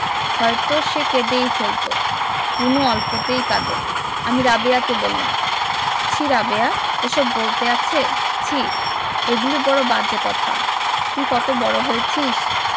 হয়তো সে কেঁদেই ফেলতো রুনু অল্পতেই কাঁদে আমি রাবেয়াকে বললাম ছিঃ রাবেয়া এসব বলতে আছে ছিঃ এগুলি বড় বাজে কথা তুই কত বড় হয়েছিস